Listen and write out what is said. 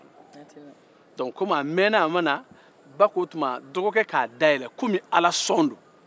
komi a mɛɛnna a ma na ba ko ko dɔgɔkɛ k'a dayɛlɛn komi alaasɔn don